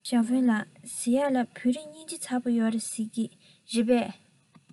ཞའོ ཧྥུང ལགས ཟེར ཡས ལ བོད རིགས སྙིང རྗེ ཚ པོ ཡོད རེད ཟེར གྱིས རེད པས